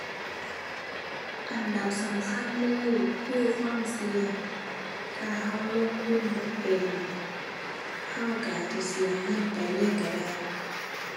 อันดับสำคัญเลยคือความเสี่ยงถ้าเราลงทุนบ่เป็นเราเราอาจจะเสียเงินไปเลยเราได้